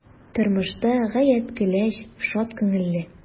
Тормышта гаять көләч, шат күңелле.